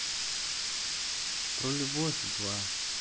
про любовь два